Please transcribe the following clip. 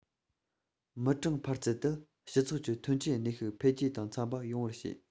མི གྲངས འཕར ཚུལ དེ སྤྱི ཚོགས ཀྱི ཐོན སྐྱེད ནུས ཤུགས འཕེལ རྒྱས དང འཚམ པ ཡོང བར བྱས